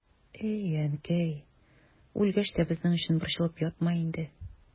И әнкәй, үлгәч тә безнең өчен борчылып ятма инде.